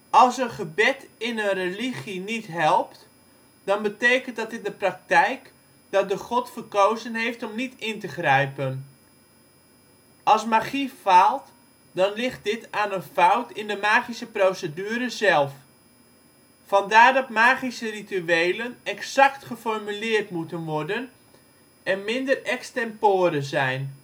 Als een gebed in een religie niet helpt dan betekent dat in de praktijk dat de god verkozen heeft om niet in te grijpen. Als magie faalt, dan ligt dit aan een fout in de magische procedure zelf. Vandaar dat magische rituelen exact geformuleerd moeten worden en minder ex-tempore zijn